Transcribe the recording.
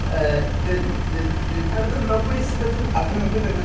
Yy... ... D- d-... Ar ddiwrnod poetha'r flwyddyn... Ar ddiwrnod poetha'r flwyddyn.